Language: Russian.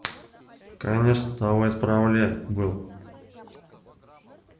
конечно давай исправляй был